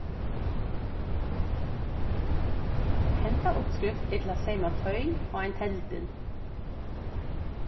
henda uppskrift er til at seyma toy á ein teldil